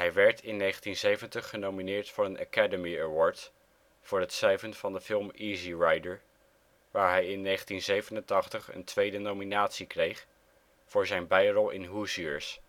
werd in 1970 genomineerd voor een Academy Award voor het schrijven van de film Easy Rider, waar hij in 1987 een tweede nominatie kreeg voor zijn bijrol in Hoosiers